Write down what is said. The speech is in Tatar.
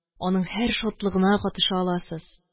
Аның һәр шатлыгына катыша аласыз